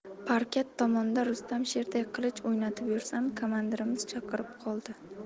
parkat tomonda rustam sherday qilich o'ynatib yursam kamandirimiz chaqirib qoldi